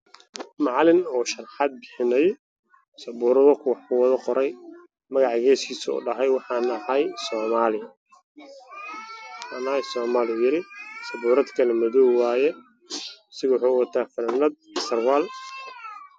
Waa macalin sharaxaad bixinaya dhahay waxana ahay somali